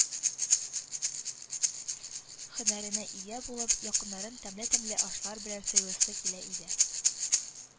Һөнәренә ия булып, якыннарын тәмле-тәмле ашлар белән сыйлыйсы килә икән